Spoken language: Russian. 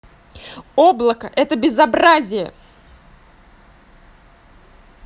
облако это безобразие